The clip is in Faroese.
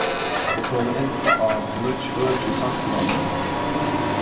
og koma inn á nýggj øki í samfelagnum